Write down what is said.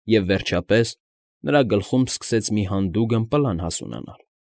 Եվ, վերջապես, նրա գլխում սկսեց մի հանդուգն պլան հասունանալ։